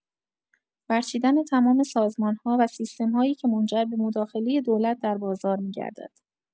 برچیدن تمام سازمان‌ها و سیستم‌هایی که منجر به مداخلۀ دولت در بازار می‌گردد.